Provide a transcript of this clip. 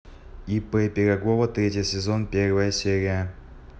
ип пирогова третий сезон первая серия